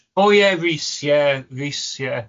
Oh yeah, Rhys, yeah, Rhys, yeah